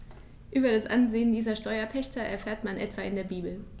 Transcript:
Über das Ansehen dieser Steuerpächter erfährt man etwa in der Bibel.